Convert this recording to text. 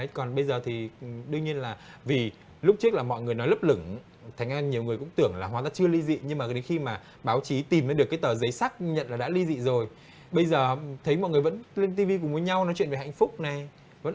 hãy còn bây giờ thì đương nhiên là vì lúc trước là mọi người nói lấp lửng thành ra nhiều người cũng tưởng là hóa chưa ly dị nhưng đến khi mà báo chí tìm được cái tờ giấy xác nhận là đã ly dị rồi bây giờ thấy mọi người vẫn tuyên ti vi cùng với nhau nói chuyện về hạnh phúc này vẫn